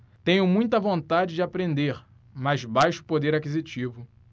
tenho muita vontade de aprender mas baixo poder aquisitivo